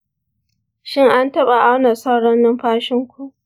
shin an taɓa auna saurin numfashinku?